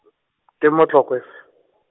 teng mo Tlokwe f-.